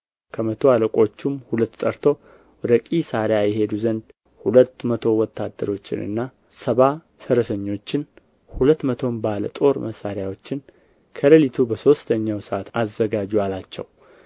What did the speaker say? ከመቶ አለቆቹም ሁለት ጠርቶ ወደ ቂሣርያ ይሄዱ ዘንድ ሁለት መቶ ወታደሮችንና ሰባ ፈረሰኞችን ሁለት መቶም ባለ ጦር መሣሪያዎችን ከሌሊቱ በሦስተኛው ሰዓት አዘጋጁ አላቸው